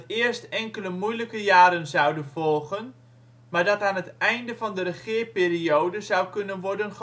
eerst enkele moeilijke jaren zouden komen, maar dat er aan het eind van zijn regeerperiode zou kunnen worden geoogst